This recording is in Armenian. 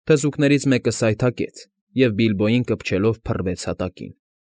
Թզուկներից մեկը սայթաքեց և, Բիլբոյին կպչելով, փռվեց հատակին։